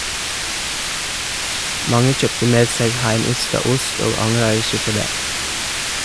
Mange kjøpte med seg heimeysta ost, og angrar ikkje på det.